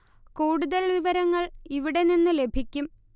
കൂടുതൽ വിവരങ്ങൾ ഇവിടെ നിന്നു ലഭിക്കും